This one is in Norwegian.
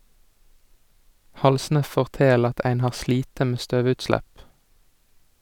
Halsne fortel at ein har slite med støvutslepp.